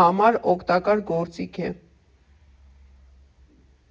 համար օգտակար գործիք է։